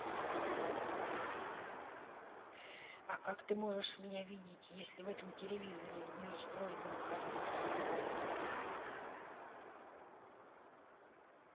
а как ты можешь меня видеть если в этом телевизоре не устрой на камеру